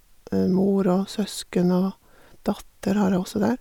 Mor og søsken og datter har jeg også der.